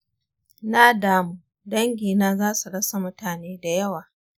na damu dangi na zasu rasa mutane dayawa.